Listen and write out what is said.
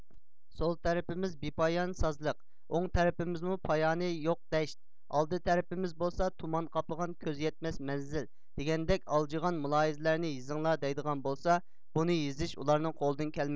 سول تەرىپىمىز بىپايان سازلىق ئوڭ تەرىپىمزمۇ پايانى يوق دەشت ئالدى تەرىپىمىز بولسا تۇمان قاپلىغان كۆز يەتمەس مەنزىل دېگەندەك ئالجىغان مۇلاھىزىلەرنى يېزىڭلار دەيدىغان بولسا بۇنى يېزىش ئۇلارنىڭ قولىدىن كەلمەيدۇ